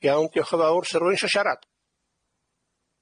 Iawn dioch yn fawr sa rwun sho siarad?